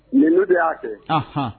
Nin de y'a kɛ hɔn